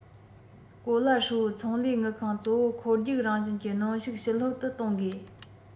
གོ ལ ཧྲིལ པོའི ཚོང ལས དངུལ ཁང གཙོ བོ འཁོར རྒྱུག རང བཞིན གྱི གནོན ཤུགས ཞི ལྷོད དུ གཏོང དགོས